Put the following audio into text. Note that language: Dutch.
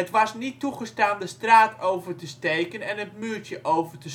was niet toegestaan de straat over te steken en het muurtje over